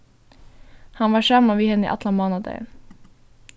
hann var saman við henni allan mánadagin